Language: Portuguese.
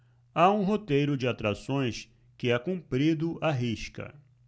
há um roteiro de atrações que é cumprido à risca